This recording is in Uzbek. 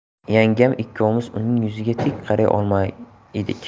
yangam ikkovimiz uning yuziga tik qaray olmas edik